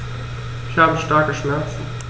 Ich habe starke Schmerzen.